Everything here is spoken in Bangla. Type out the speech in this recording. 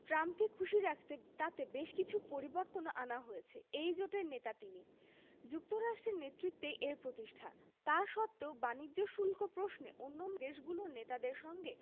ট্রাম্পকে খুশি রাখতে তাতে বেশ কিছু পরিবর্তনও আনা হয়েছে এই জোটের নেতা তিনি যুক্তরাষ্ট্রের নেতৃত্বেই এর প্রতিষ্ঠা তা সত্ত্বেও বাণিজ্য শুল্ক প্রশ্নে অন্য দেশগুলোর নেতাদের সঙ্গে